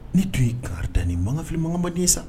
Ni dun ye kankari da nin ye . N ko ga finimɔgɔ man di n ye saa.